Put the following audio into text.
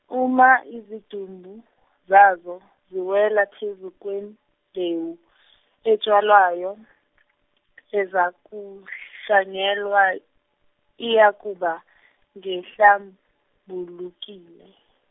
uma izidumbu, zazo ziwela phezu kwembewu etshalwayo, ezakuhlanyelwa, iyakuba ngehlambulukile.